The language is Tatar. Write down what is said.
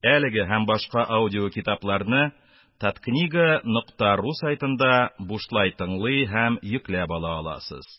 Әлеге һәм башка аудиокитапларны таткнига нокта ру сайтында бушлай тынлый һәм йөкләп ала аласыз